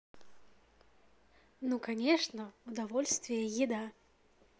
ну конечно удовольствие еда